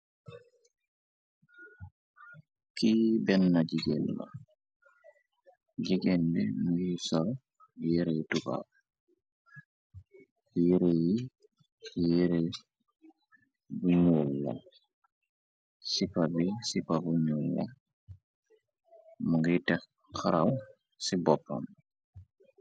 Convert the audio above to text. kiy benna jigéen la jigéen bi mingi sal yérey tubaw yéré yi yére bu ñuul la sipa bi sipabu ñuul la mu gi teh xaraw ci boppam.